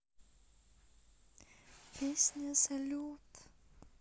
песня салют